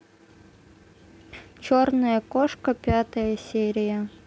черная кошка пятая серия